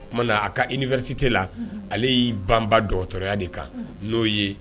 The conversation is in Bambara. O tumana na a ka i nitite la ale y'i banba dɔgɔtɔrɔya de kan n'o ye